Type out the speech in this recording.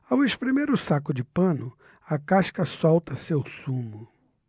ao espremer o saco de pano a casca solta seu sumo